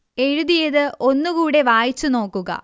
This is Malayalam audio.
എഴുതിയത് ഒന്നു കൂടെ വായിച്ചു നോക്കുക